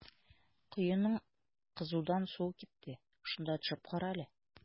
Коеның кызудан суы кипте, шунда төшеп кара әле.